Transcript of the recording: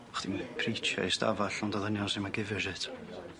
Chdi'n preechio i stafall llond o ddynion sy 'im yn gifio shit?